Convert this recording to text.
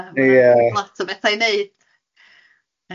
...lot o bethau i wneud yy.